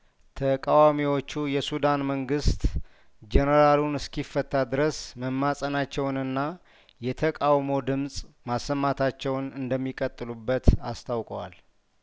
ተቃዋሚዎቹ የሱዳን መንግስት ጄኔራሉን እስኪ ፈታ ድረስ መማጸ ናቸውንና የተቃውሞ ድምጽ ማሰማታቸውን እንደሚቀጥሉበት አስታውቀዋል